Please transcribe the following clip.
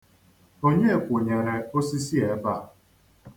Onye kwụnyere osisi a ebe a?